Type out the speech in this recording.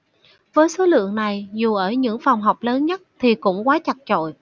với số lượng này dù ở những phòng học lớn nhất thì cũng quá chật chội